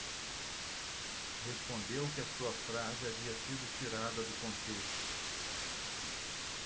respondeu que a sua frase havia sido tirada do contexto